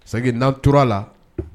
C'est que n'an tor'a la